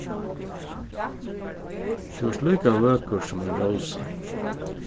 tú ert líka vøkur sum ein rósa